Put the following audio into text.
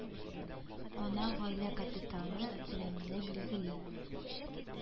Ана гаилә капиталы күләмендә билгели